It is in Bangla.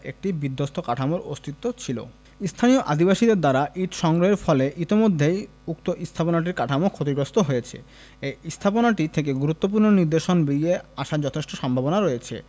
একটি বিধ্বস্ত কাঠামোর অস্তিত্ব ছিল স্থানীয় অধিবাসীদের দ্বারা ইট সংগ্রহের ফলে ইতোমধ্যেই উক্ত স্থাপনাটির কাঠামো ক্ষতিগ্রস্ত হয়েছে এই স্থাপনাটি থেকে গুরুত্বপূর্ণ নিদর্শন বেরিয়ে আসার যথেষ্ট সম্ভাবনা রয়েছে